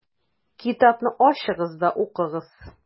Китапны ачыгыз да укыгыз: